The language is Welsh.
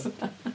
Bysa .